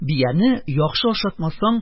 Бияне яхшы ашатмасаң,